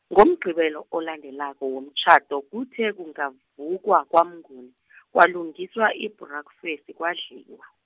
ngoMgqibelo olandela womtjhado kuthe kungavukwa kwaMnguni , kwalungiswa ibhrakufesi kwadliwa.